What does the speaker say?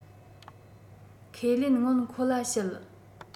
ཁས ལེན སྔོན ཁོ ལ བཤད